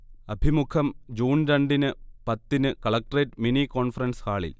അഭിമുഖം ജൂൺ രണ്ടിന് പത്തിന് കളക്ടറേറ്റ് മിനി കോൺഫറൻസ് ഹാളിൽ